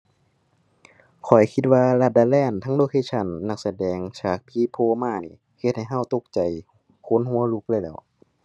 ข้อยคิดว่าลัดดาแลนด์ ทั้งโลเคชัน นักแสดง ฉากผีโผล่มานี่ เฮ็ดให้เราตกใจ ขนหัวลุกเลยแหล้ว